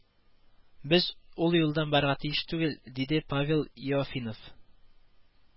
Без ул юлдан барырга тиеш түгел, диде Павел Иофинов